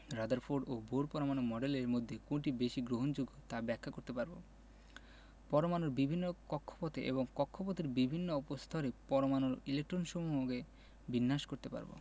Rutherford ও Bohr পরমাণু মডেলের মধ্যে কোনটি বেশি গ্রহণযোগ্য তা ব্যাখ্যা করতে পারব পরমাণুর বিভিন্ন কক্ষপথে এবং কক্ষপথের বিভিন্ন উপস্তরে পরমাণুর ইলেকট্রনসমূহকে বিন্যাস করতে পারব